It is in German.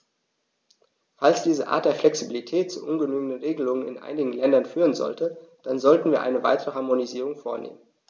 Falls diese Art der Flexibilität zu ungenügenden Regelungen in einigen Ländern führen sollte, dann sollten wir eine weitere Harmonisierung vornehmen.